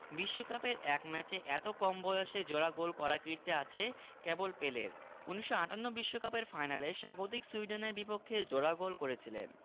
বিশ্বকাপের এক ম্যাচে এত কম বয়সে জোড়া গোল করার কীর্তি আর আছে কেবল পেলের ১৯৫৮ বিশ্বকাপের ফাইনালে স্বাগতিক সুইডেনের বিপক্ষে জোড়া গোল করেছিলেন